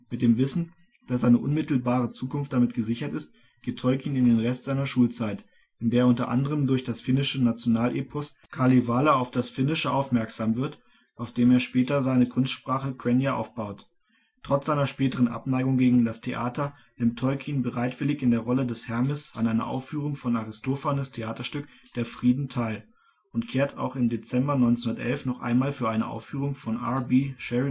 dem Wissen, dass seine unmittelbare Zukunft damit gesichert ist, geht Tolkien in den Rest seiner Schulzeit, in der er unter anderem durch das finnische Nationalepos Kalevala auf das Finnische aufmerksam wird, auf dem er später seine Kunstsprache Quenya aufbaut. Trotz seiner späteren Abneigung gegen das Theater nimmt Tolkien bereitwillig in der Rolle des Hermes an einer Aufführung von Aristophanes ' Theaterstück Der Frieden teil und kehrt auch im Dezember 1911 noch einmal für eine Aufführung von R. B. Sheridans The Rivals